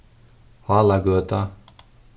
hálagøta